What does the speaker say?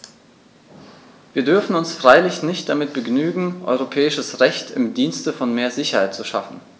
Wir dürfen uns freilich nicht damit begnügen, europäisches Recht im Dienste von mehr Sicherheit zu schaffen.